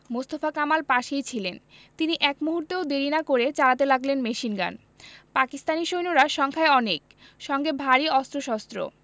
মোস্তফা কামাল পাশেই ছিলেন তিনি এক মুহূর্তও দেরি না করে চালাতে লাগলেন মেশিনগান পাকিস্তানি সৈন্যরা সংখ্যায় অনেক সঙ্গে ভারী অস্ত্রশস্ত্র